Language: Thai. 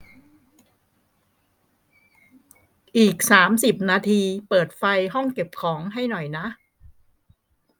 อีกสามสิบนาทีเปิดไฟห้องเก็บของให้หน่อยนะ